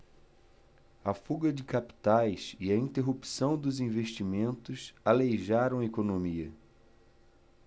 a fuga de capitais e a interrupção dos investimentos aleijariam a economia